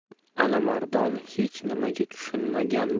alimardon hech nimaga tushunmagan